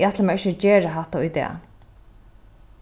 eg ætli mær ikki at gera hatta í dag